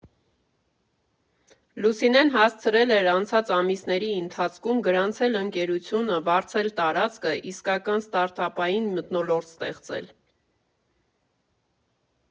Լուսինեն հասցրել էր անցած ամիսների ընթացքում գրանցել ընկերությունը, վարձել տարածքը, իսկական ստարթափային մթնոլորտ ստեղծել։